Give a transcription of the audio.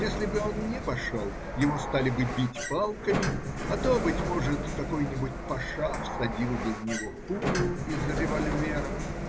Если бы он не пошел, его стали бы бить палками, а то, быть может, какой-нибудь паша всадил бы в него пулю из револьвера.